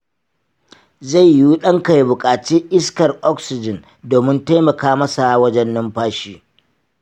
zai yiwu ɗanka ya buƙaci iskar oxygen domin taimaka masa wajen numfashi